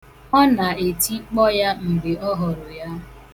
Ọ na-etikpọ ya mgbe ọ hụrụ ya.